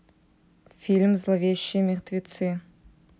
фильм зловещие мертвецы